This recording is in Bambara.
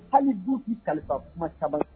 Hali du' kalifa kumasa fɛ